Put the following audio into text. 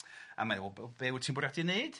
...a mae'n o, wel be wyt ti'n bwriadu wneud?